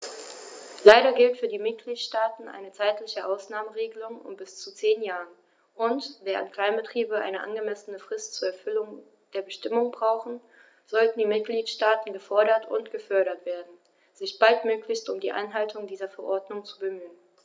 Leider gilt für die Mitgliedstaaten eine zeitliche Ausnahmeregelung von bis zu zehn Jahren, und, während Kleinbetriebe eine angemessene Frist zur Erfüllung der Bestimmungen brauchen, sollten die Mitgliedstaaten gefordert und gefördert werden, sich baldmöglichst um die Einhaltung dieser Verordnung zu bemühen.